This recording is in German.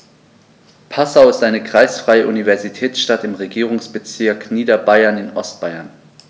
Passau ist eine kreisfreie Universitätsstadt im Regierungsbezirk Niederbayern in Ostbayern.